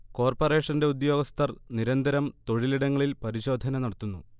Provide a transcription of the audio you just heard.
കോർപറേഷന്റെ ഉദ്യോഗസ്ഥർ നിരന്തരം തൊഴിലിടങ്ങളിൽ പരിശോധന നടത്തുന്നു